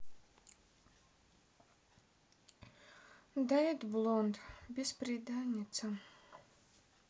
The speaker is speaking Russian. dead blonde бесприданница